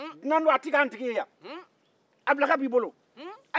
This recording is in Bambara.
a tɛ ke an tigi ye yan dunan don